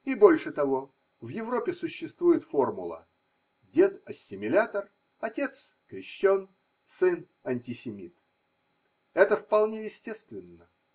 И больше того: в Европе существует формула: дед ассимилятор, отец крещен, сын антисемит. Это вполне естественно.